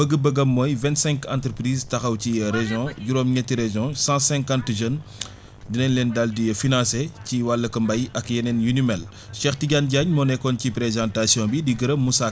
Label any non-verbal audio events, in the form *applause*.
bëgg-bëggam mooy vingt cinq entreprises taxaw ci région *music* juróom-ñetti régions cent cinquante jeunes *smacks lips* di leen daal di financer ci wàllug mbéy ak yeneen yu ni mel Cheikh Tidiane Diagne moo nekkoon ci présentation bi di gërëm Moussa